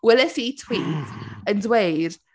Welais i tweet yn dweud.